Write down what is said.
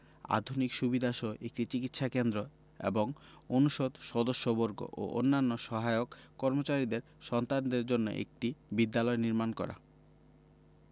আধুনিক সুবিধাসহ একটি চিকিৎসা কেন্দ্র এবং অনুষদ সদস্যবর্গ ও অন্যান্য সহায়ক কর্মচারীদের সন্তানদের জন্য একটি বিদ্যালয় নির্মাণ করা